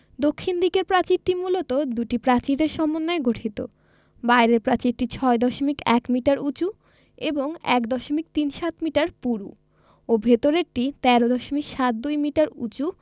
দক্ষিণ দিকের প্রাচীরটি মূলত দুটি প্রাচীরের সমন্বয়ে গঠিত বাইরের প্রাচীরটি ৬দশমিক ১ মিটার উঁচু এবং ১দশমিক তিন সাত মিটার পুরু ও ভেতরেরটি ১৩ দশমিক সাত দুই মিটার উঁচু